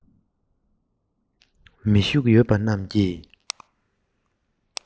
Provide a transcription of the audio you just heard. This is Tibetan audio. མི ཤུགས ཡོད པ རྣམས ཀྱིས